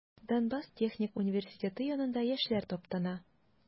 Донбасс техник университеты янында яшьләр таптана.